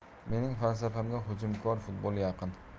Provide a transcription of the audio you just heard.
mening falsafamga hujumkor futbol yaqin